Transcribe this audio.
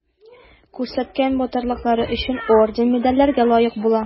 Күрсәткән батырлыклары өчен орден-медальләргә лаек була.